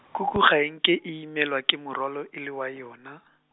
khukhu ga e nke e imelwa ke morwalo e le wa yone.